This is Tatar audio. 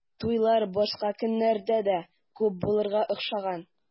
Туйлар башка көннәрдә дә күп булырга охшаган.